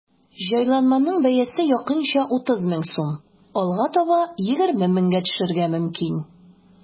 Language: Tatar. Җайланманың бәясе якынча 30 мең сум, алга таба 20 меңгә төшәргә мөмкин.